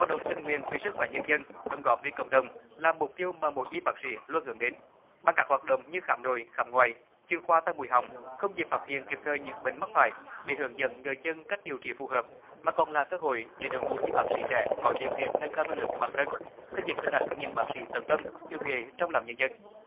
động tình nguyện vì sức khỏe nhân dân đóng góp vì cộng đồng là mục tiêu mà bộ y bác sĩ luôn hướng đến bằng các hoạt động như khám nội khám ngoại chuyên khoa tai mũi họng không chỉ phát hiện kịp thời những bệnh mắc phải để hướng dẫn người dân cách điều trị phù hợp mà còn là cơ hội để đội ngũ y bác sĩ trẻ có điều kiện nâng cao năng lực bản thân xây dựng hình ảnh những bác sĩ tận tâm yêu nghề trong lòng nhân dân